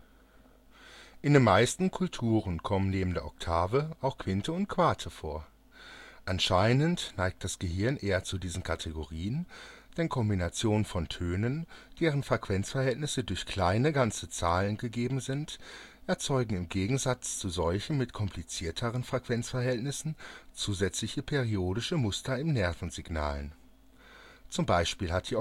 In den meisten Kulturen kommen neben der Oktave auch Quinte und Quarte vor. Anscheinend neigt das Gehirn eher zu diesen Kategorien, denn Kombinationen von Tönen, deren Frequenzverhältnisse durch kleine ganze Zahlen gegeben sind, erzeugen im Gegensatz zu solchen mit komplizierteren Frequenzverhältnissen zusätzliche periodische Muster in Nervensignalen (z.B. hat